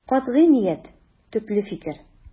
Катгый ният, төпле фикер.